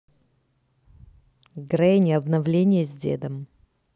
granny обновление с дедом